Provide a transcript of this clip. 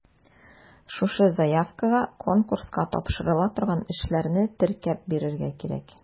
Шушы заявкага конкурска тапшырыла торган эшләрне теркәп бирергә кирәк.